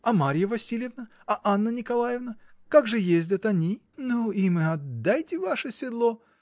— А Марья Васильевна, а Анна Николаевна — как же ездят они?. — Ну им и отдайте ваше седло!